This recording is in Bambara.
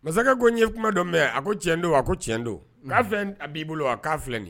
Masakɛ ko n ye kuma dɔ mɛn a ko cɛn don a ko cɛn don k'a fɛn b'i bolo wa k'a filɛ